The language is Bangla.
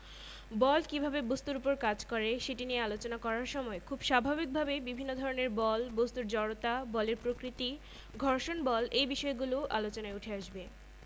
গতি জড়তার কারণে আমরা মানুষজনকে চলন্ত বাস ট্রেন থেকে নামতে গিয়ে আছাড় খেতে দেখি চলন্ত বাস ট্রেনের মানুষটির পুরো শরীরটাই গতিশীল